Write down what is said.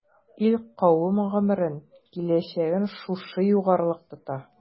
Ил-кавем гомерен, киләчәген шушы югарылык тота.